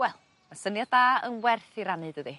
Wel ma' syniad da yn werth 'i rannu dydi?